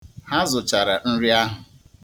Ha zụchara nri ahụ.